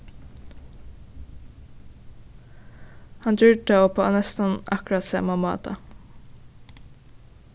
hann gjørdi tað upp á næstan akkurát sama máta